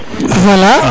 voila